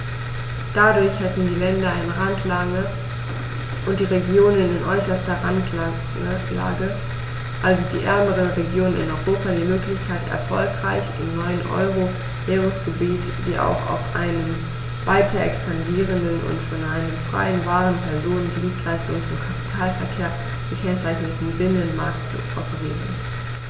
Dadurch hätten die Länder in Randlage und die Regionen in äußerster Randlage, also die ärmeren Regionen in Europa, die Möglichkeit, erfolgreich im neuen Euro-Währungsgebiet wie auch auf einem weiter expandierenden und von einem freien Waren-, Personen-, Dienstleistungs- und Kapitalverkehr gekennzeichneten Binnenmarkt zu operieren.